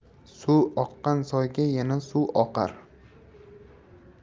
suv oqqan soyga yana suv oqar